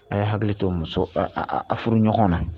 A ye hakili to muso a furu ɲɔgɔn na